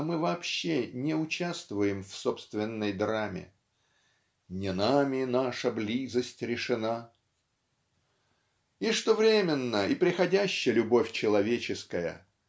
что мы вообще не участвуем в собственной драме ("не нами наша близость решена") и что временна и преходяща любовь человеческая